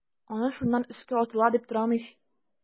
Аны шуннан өскә атыла дип торам ич.